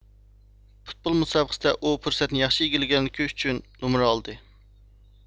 پۇتبول مۇسابىقىسىدە ئۇ پۇرسەتنى ياخشى ئىگىلىيەلىگەنلىكى ئۈچۈن نومۇر ئالالىدى